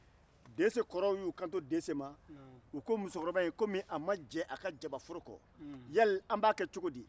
dɛsɛ kɔrɔw ko dɛsɛ ma u ko musokɔrɔba kɔmi a madiɲɛ a ka jabaforo kɔ yali an b'a kɛ cogo di